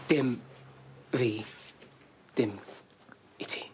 Dim, fi, dim, i ti.